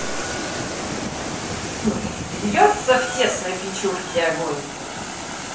бьется в тесной печурке огонь